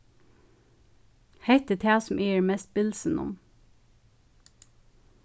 hetta er tað sum eg eri mest bilsin um